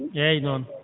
eeyi noon